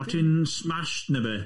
O' ti'n smashed neu be'?